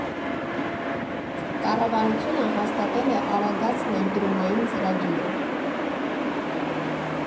Կառավարությունը հաստատել է Արագած ներդրումային ծրագիրը։